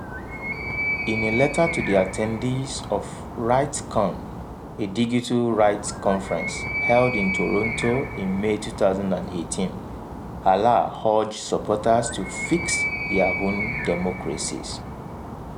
In a letter to the attendees of RightsCon, a digital rights conference held in Toronto in May 2018, Alaa urged supporters to ”fix [their] own democracies”.